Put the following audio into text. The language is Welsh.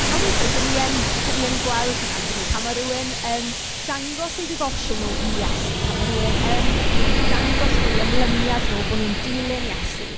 A weithiau dan ni yn dan ni yn gweld hynna yn dy' ni pan mae rhywun yn dangos eu defosiwn nhw i Iesu, pan mae rhywun yn dangos nhw, eu ymlyniad nhw bod nhw'n dilyn Iesu.